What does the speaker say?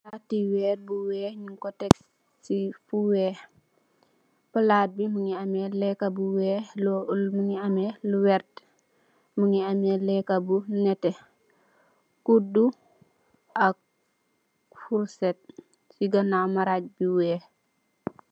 Palati wèèr bu wèèx ñing ko tek si fu wèèx. Palat bi mugii ameh lekka bu wèèx , mugii ameh lu werta. Mugii ameh lekka bu netteh, kudu ak furset ci ganaw maraj bu wèèx.